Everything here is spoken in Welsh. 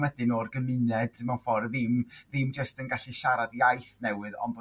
wedyn o'r gymuned mewn ffor' ddim ddim jyst yn gallu siarad iaith newydd ond bo'